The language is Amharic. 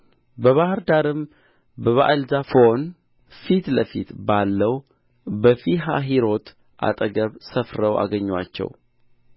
በባሕሩ ዳር በበኣልዛፎን ፊት ለፊት ባለው በፊሀሒሮት አጠገብ ሰፍረው አገኙአቸው